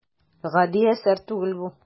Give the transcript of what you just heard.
Гади әсәр түгел бу.